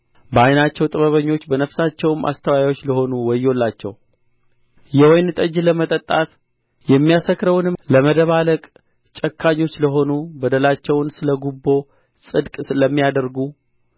በዓይናቸው ጥበበኞች በነፍሳቸውም አስተዋዮች ለሆኑ ወዮላቸው የወይን ጠጅ ለመጠጣት ኃያላን የሚያሰክረውንም ለማደባለቅ ጨካኞች ለሆኑ በደለኛውን ስለ ጉቦ ጻድቅ ለሚያደርጉ